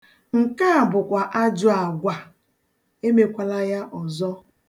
Nke a bụkwa ajọ agwa! Emekwala ya ọzọ.